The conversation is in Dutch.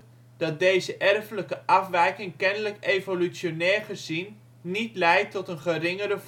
deze erfelijke afwijking kennelijk evolutionair gezien niet leidt tot een geringere